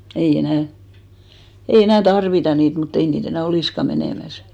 ei enää ei enää tarvita niitä mutta ei niitä enää olisikaan menemässä